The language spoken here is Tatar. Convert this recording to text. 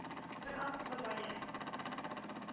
Бер актлы балет